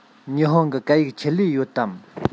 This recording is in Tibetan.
ཉི ཧོང གི སྐད ཡིག ཆེད ལས ཡོད དམ